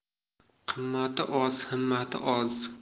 qimmati oz himmati oz